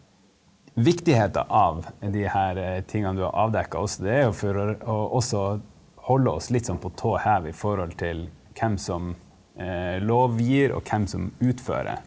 viktigheta av de her tingene du har avdekka også det er jo for å å også holde oss litt sånn på tå hev i forhold til hvem som lovgir og hvem som utfører.